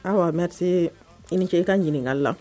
Aa anmeri se i ni ce i ka ɲininkaga la